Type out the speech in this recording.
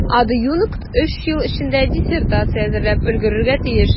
Адъюнкт өч ел эчендә диссертация әзерләп өлгерергә тиеш.